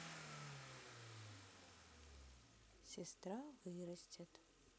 сестра вырастет